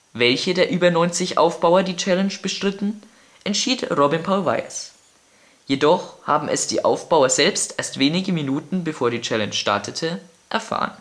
Welche der über 90 Aufbauer die Challenge bestritten, entschied Robin Paul Weijers. Jedoch haben es die Aufbauer selbst erst wenige Minuten bevor die Challenge startete erfahren